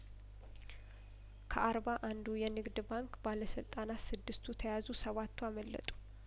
ከአርባ አንዱ የንግድ ባንክ ባለስልጣናት ስድስቱ ተያዙ ሰባቱ አመለጡ